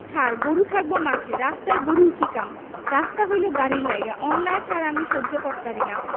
ছার গরু থাকবো মাঠে রাস্তায় গরুর কি কাম রাস্তা হইলো গাড়ির লাইগা অন্যায় ছার আমি সহ্য করতারিনা